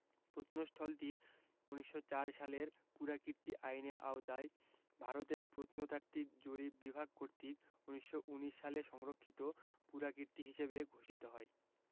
প্রত্নস্থলটি ১৯০৪ সালের পুরাকীর্তি আইনের আওতায় ভারতের প্রত্নতাত্ত্বিক জরিপ বিভাগ কর্তৃক ১৯১৯ সালে সংরক্ষিত পুরাকীর্তি হিসেবে ঘোষিত হয়